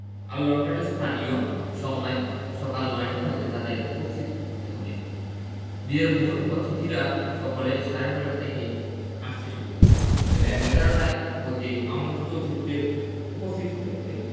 আর লন্ডনের স্থানীয় সময় সকাল নয়টার মধ্যে তাঁদের উপস্থিত হতে হবে বিয়ের মূল অতিথিরা সকাল সাড়ে নয়টা থেকে আসতে শুরু করবেন বেলা ১১টার মধ্যেই আমন্ত্রিত অতিথিদের উপস্থিত হতে হবে